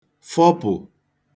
fọpụ̀